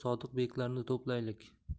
sodiq beklarni to'playlik